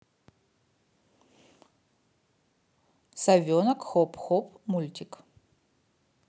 совенок хоп хоп мультик